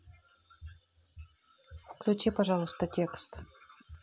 включи пожалуйста текст